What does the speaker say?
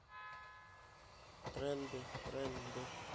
тренды тренды